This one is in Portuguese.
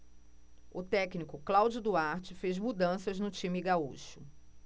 o técnico cláudio duarte fez mudanças no time gaúcho